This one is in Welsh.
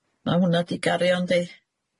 Ma' hwn'na 'di gario yndi?